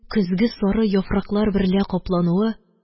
Көзге сары яфраклар берлә каплануы